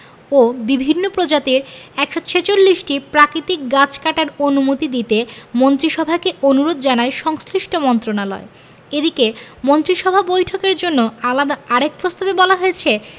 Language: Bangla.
ও বিভিন্ন প্রজাতির ১৪৬টি প্রাকৃতিক গাছ কাটার অনুমতি দিতে মন্ত্রিসভাকে অনুরোধ জানায় সংশ্লিষ্ট মন্ত্রণালয় এদিকে মন্ত্রিসভা বৈঠকের জন্য আলাদা আরেক প্রস্তাবে বলা হয়েছে